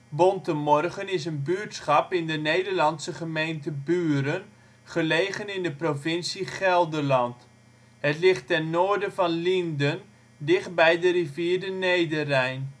Bontemorgen is een buurtschap in de Nederlandse gemeente Buren, gelegen in de provincie Gelderland. Het ligt ten noorden van Lienden, dichtbij de rivier de Nederrijn